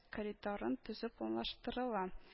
Коридорын төзү планлаштырыла